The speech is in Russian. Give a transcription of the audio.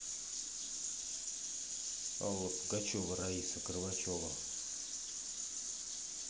алла пугачева раиса горбачева